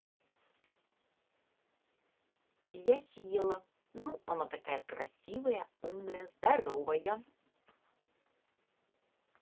я съела ну она такая красивая умная здоровая